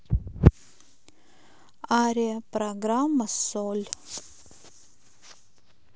ария программа соль